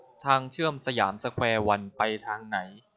ทางเชื่อมสยามสแควร์วันไปทางไหน